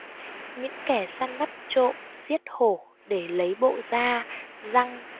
những kẻ săn bắn trộm giết hổ để lấy bộ da răng